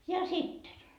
ja sitten